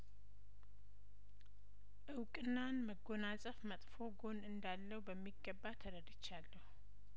እውቅናን መጐናጸፍ መጥፎ ጐን እንዳለው በሚገባ ተረድቻለሁ